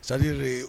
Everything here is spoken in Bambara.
Sali yɛrɛ